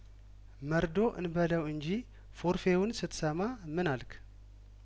መርዶ እንበለው እንጂ ፎርፌውን ስትሰማ ምን አልክ